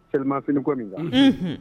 Selimaf ko min kan